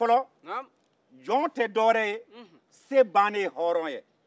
jɔn tɛ dɔwɛrɛ ye se bannen hɔrɔn ye